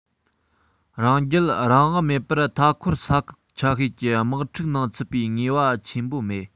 རང རྒྱལ རང དབང མེད པར མཐའ སྐོར ས ཁུལ ཆ ཤས ཀྱི དམག འཁྲུག ནང ཚུད པའི ངེས པ ཆེན པོ མེད